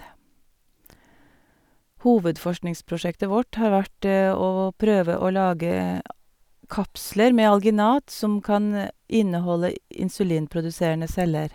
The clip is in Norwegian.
Hovedforskningsprosjektet vårt har vært å prøve å lage kapsler med alginat som kan inneholde insulinproduserende celler.